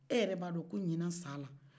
e yɛrɛ b'a dɔn ko ɲinan san na